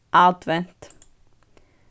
advent